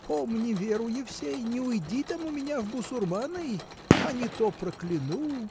Помни веру, Евсей, не уйди там у меня в бусурманы! а не то прокляну!